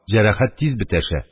Җәрәхәт тиз бетәшә.